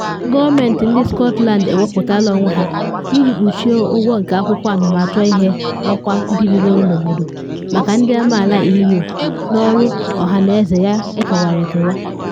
Gọọmentị ndị Scotland ewepụtala onwe ha iji kpuchie ụgwọ nke akwụkwọ anamachọihe ọkwa ndị bigoro n’obodo maka ndị amaala EU n’ọrụ ọhaneze ya ekewara ekewa.